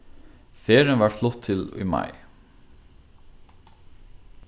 ferðin varð flutt til í mai